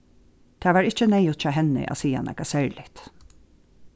tað var ikki neyðugt hjá henni at siga nakað serligt